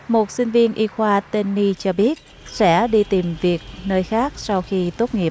một sinh viên y khoa tên ni cho biết sẽ đi tìm việc nơi khác sau khi tốt nghiệp